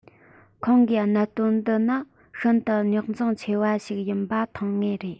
ཁོང གིས གནད དོན འདི ནི ཤིན ཏུ རྙོག འཛིང ཆེ བ ཞིག ཡིན པ མཐོང ངེས རེད